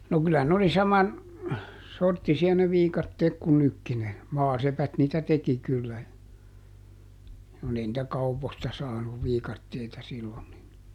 no kyllä ne oli saman sorttisia ne viikatteet kuin nytkin ne maasepät niitä teki kyllä kun ei niitä kaupoista saanut viikatteita silloin niin